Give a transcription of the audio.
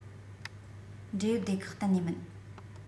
འབྲེལ ཡོད སྡེ ཁག གཏན ནས མིན